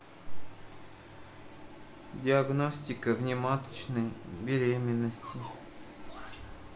диагностика внематочной беременности